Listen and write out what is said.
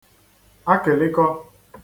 akị̀lịkọ